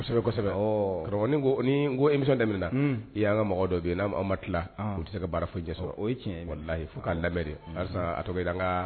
A sɛbɛ kosɛbɛ, ɔɔ, ne ko emmission daminɛna ee an ka mɔgɔ dɔ bɛ yen, n'an ma tila, u tɛ se ka baara foyi ɲɛ sɔrɔ, o ye tiɲɛ ye. wallahi fo ko labɛn den